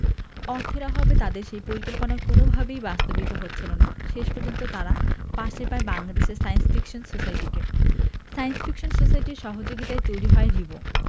অর্থের অভাবে তাদের সেই পরিকল্পনা কোনওভাবেই বাস্তবিত হচ্ছিল না শেষ পর্যন্ত তারা পাশে পায় বাংলাদেশ সায়েন্স ফিকশন সোসাইটিকে সায়েন্স ফিকশন সোসাইটির সহযোগিতায়ই তৈরি হয় রিবো